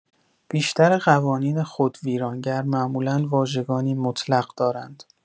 بیشتر قوانین خودویرانگر معمولا واژگانی مطلق دارند.